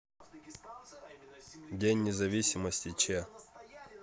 день независимости че